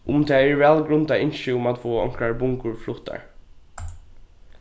um tað eru væl grundað ynski um at fáa onkrar bungur fluttar